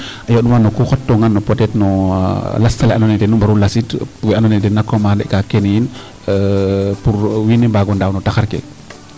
A yo'nuwa no ku xottoona no lasta ala andoona yee ten nu mbaru lasit we andoona yee den na commander kaa keene yiin pour wiin we mbaag o ndaaw no taxar ke .